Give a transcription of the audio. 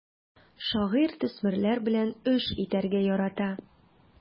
Шагыйрь төсмерләр белән эш итәргә ярата.